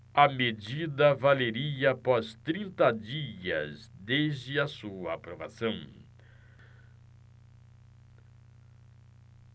a medida valeria após trinta dias desde a sua aprovação